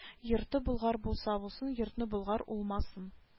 Йорты болгар улса улсын йортны болгар улмасын